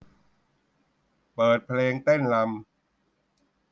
เปิดเพลงเต้นรำ